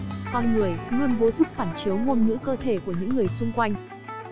con người luôn vô thức phản chiếu ngôn ngữ cơ thể của những người xung quanh